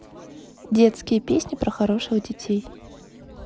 детские песни про хороших детей